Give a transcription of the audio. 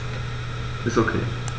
Ist OK.